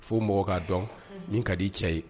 Fo mɔgɔ k'a dɔn unhun min kadi i cɛ ye